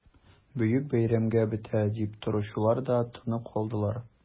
Бөек бәйрәмгә бетә дип торучылар да тынып калдылар...